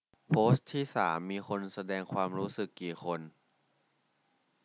โพสต์ที่สามมีคนแสดงความรู้สึกกี่คน